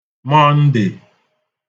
Mọndè